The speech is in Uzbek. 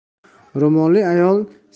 ro'molli ayol